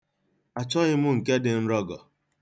Achọghị m nke dị nrọgọ.